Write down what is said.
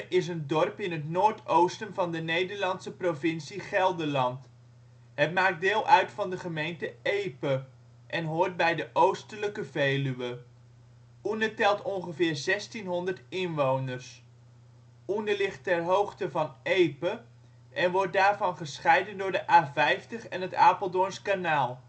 is een dorp in het noordoosten van de Nederlandse provincie Gelderland. Het dorp maakt deel uit van de gemeente Epe en hoort bij de oostelijke Veluwe. Oene telt ongeveer 1600 inwoners. Oene ligt ter hoogte van Epe en wordt daarvan gescheiden door de A50 en het Apeldoorns kanaal